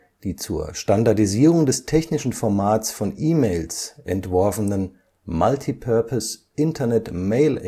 Die zur Standardisierung des technischen Formats von E-Mails entworfenen Multipurpose Internet Mail Extensions